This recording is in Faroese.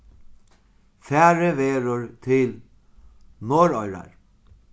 farið verður til norðoyrar